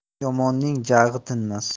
yomonning jag'i tinmas